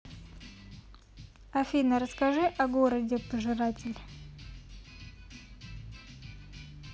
афина расскажи о городе пожиратель